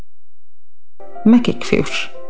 مكياج خفيف